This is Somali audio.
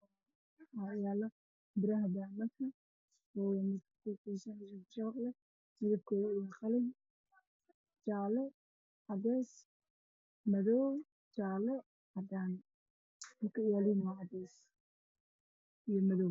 Waxaa ii muuqda miis madow saaran oo jaalo madow caddaan ah sobolo waana biro